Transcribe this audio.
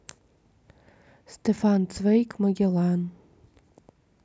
стефан цвейг магеллан